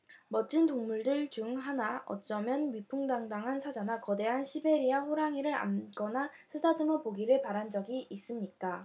멋진 동물들 중 하나 어쩌면 위풍당당한 사자나 거대한 시베리아호랑이를 안거나 쓰다듬어 보기를 바란 적이 있습니까